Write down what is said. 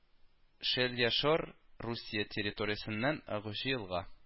Щельяшор Русия территориясеннән агучы елга